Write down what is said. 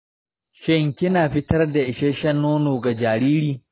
shin kina fitar da isasshen nono ga jariri?